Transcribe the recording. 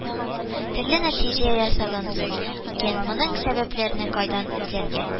Төрле нәтиҗә ясагансыз икән, моның сәбәпләрен кайдан эзләргә